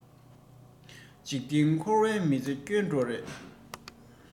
འཇིག རྟེན འཁོར བའི མི ཚེ འཁྱོལ འགྲོ རེད